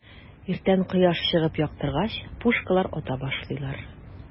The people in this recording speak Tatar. Иртән кояш чыгып яктыргач, пушкалар ата башлыйлар.